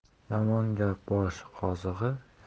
yomon gap bosh qozig'i